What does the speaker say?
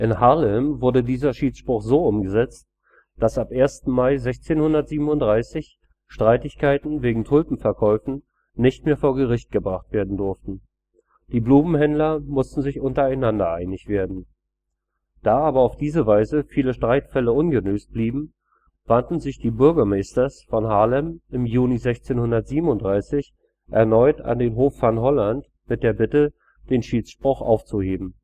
Haarlem wurde dieser Schiedsspruch so umgesetzt, dass ab 1. Mai 1637 Streitigkeiten wegen Tulpenverkäufen nicht mehr vor Gericht gebracht werden durften. Die Blumenhändler mussten sich untereinander einig werden. Da aber auf diese Weise viele Streitfälle ungelöst blieben, wandten sich die burgemeesters von Haarlem im Juni 1637 erneut an den Hof van Holland mit der Bitte, den Schiedsspruch aufzuheben